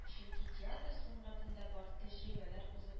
Чөнки театр сәнгатендә бар тәҗрибәләр узып